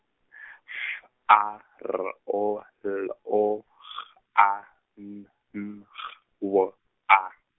F A R O L O G A N N G W A.